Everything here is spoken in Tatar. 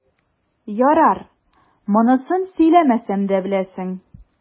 Ярар, монысын сөйләмәсәм дә беләсең.